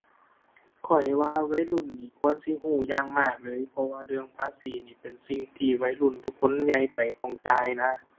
ข้อยว่าวัยรุ่นนี่ ควรสิรู้อย่างมากเลย เพราะว่าเรื่องภาษีนี่เป็นสิ่งที่วัยรุ่นทุกคนใหญ่ไปต้องจ่ายนะ